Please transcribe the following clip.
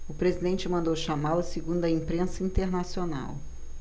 o presidente mandou chamá-lo segundo a imprensa internacional